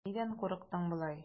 Нидән курыктың болай?